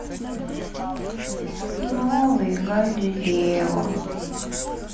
новый галилео